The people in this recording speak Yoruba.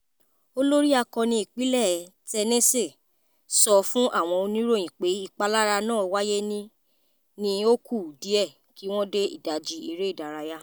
Olórí Akọ́ni ìpínlẹ̀ Tennessee sọ fún àwọn oníròyìn pé ìpalára náà wáyé ní ó kù díẹ̀ kí wọ́n dé ìdajì eré ìdárayá.